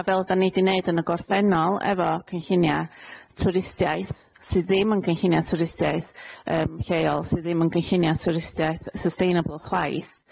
A fel ydan ni 'di neud yn y gorffennol efo cynllunia' twristiaeth sydd ddim yn gynllunia' twristiaeth yym lleol, sydd ddim yn gynllunia' twristiaeth sustainable chwaith,